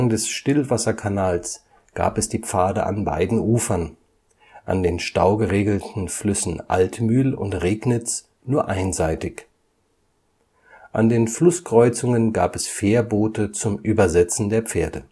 des Stillwasserkanals gab es die Pfade an beiden Ufern, an den staugeregelten Flüssen Altmühl und Regnitz nur einseitig. An den Flusskreuzungen gab es Fährboote zum Übersetzen der Pferde